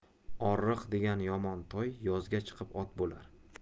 oriq degan yomon toy yozga chiqib ot bo'lar